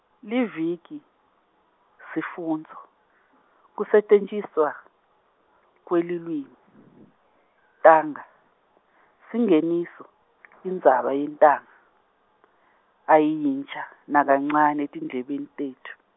Liviki, sifundvo, kusetjentiswa kwelulwimi taga singeniso indzaba yetaga ayiyinsha nakancane etindlebeni tenu.